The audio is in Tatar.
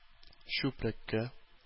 Чүпрәккә